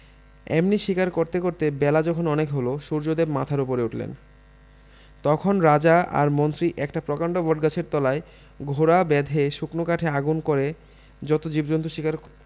এমনি শিকার করতে করতে বেলা যখন অনেক হল সূর্যদেব মাথার উপর উঠলেন তখন রাজা আর মন্ত্রী একটা প্রকাণ্ড বটগাছের তলায় ঘোড়া বেঁধে শুকনো কাঠে আগুন করে যত জীবজন্তুর শিকার